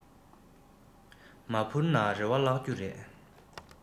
མ འཕུར ན རེ བ བརླགས རྒྱུ རེད